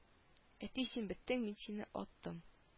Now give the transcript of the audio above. Әти син беттең мин сине аттым